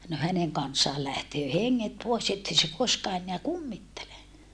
no hänen kanssaan lähtee henget pois että ei se koskaan enää kummittele